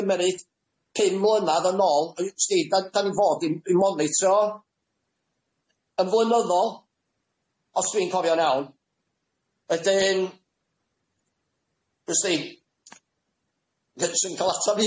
cymeryd pum mlynadd yn ôl w- sdi da- da ni fod i m- i monitro yn flynyddol os dwi'n cofio'n iawn ydyn w- sdi n- swn i'n ca'l atab i